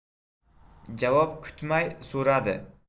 javob kutmay so'radi